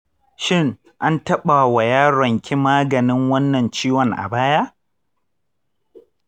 shin an taba wa yaron ki maganin wannan ciwon a baya?